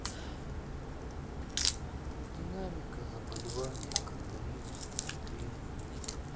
динамика заболевания коронавирусом в москве